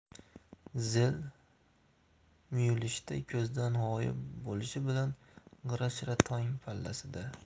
zil muyulishda ko'zdan g'oyib bo'lishi bilan g'ira shira tong pallasida